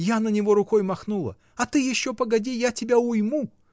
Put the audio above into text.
Я на него рукой махнула, а ты еще погоди, я тебя уйму!